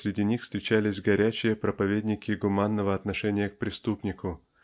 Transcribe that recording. среди них встречались горячие проповедники гуманного отношения к преступнику